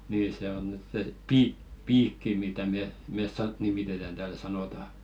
niin se on nyt se - piikki mitä me me - nimitetään täällä sanotaan